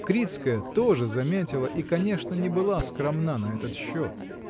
Крицкая тоже заметила и, конечно, не была скромна на этот счет.